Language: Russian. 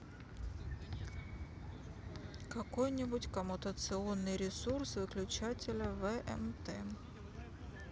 какой нибудь коммутационный ресурс выключателя вмт